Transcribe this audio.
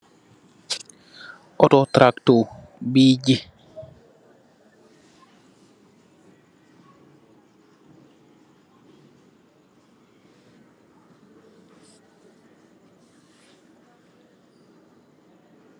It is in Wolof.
Auto tarkto bi jeeh.